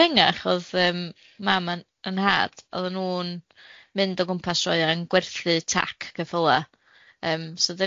pan odda ni'n fengach o'dd mam a a'n nhad odda nw'n mynd o gwmpas sioea yn gwerthu tac ceffyla